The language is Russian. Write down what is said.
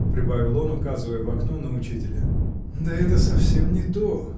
— прибавил он, указывая в окно на учителя. — Да это совсем не то!